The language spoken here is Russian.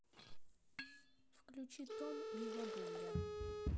включи том и его друзья